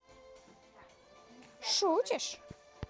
шутить